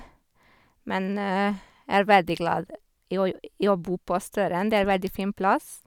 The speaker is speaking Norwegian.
Men er veldig glad i å jo i å bo på Støren, det er veldig fin plass.